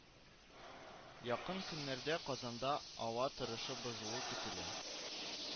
Якын көннәрдә Казанда ава торышы бозылу көтелә